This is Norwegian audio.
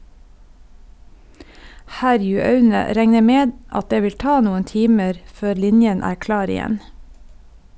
Herjuaune regner med at det vil ta noen timer før linjen er klar igjen.